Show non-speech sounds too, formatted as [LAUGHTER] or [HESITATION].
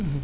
[HESITATION] [HESITATION]